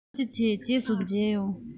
ཐུགས རྗེ ཆེ རྗེས སུ མཇལ ཡོང